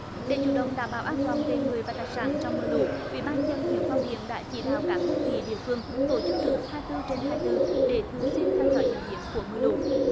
để chủ động đảm bảo an toàn về người và tài sản trong mưa lũ ủy ban nhân dân huyện phong điền đã chỉ đạo các đơn vị địa phương tổ chức trực hai tư trên hai tư để thường xuyên theo dõi diễn biến của mưa lũ